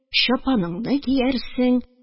Чапаныңны киярсең